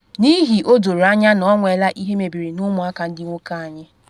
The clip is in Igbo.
N’ihi o doro anya na ọ nwela ihe mebiri n’ụmụaka ndị nwoke anyị.’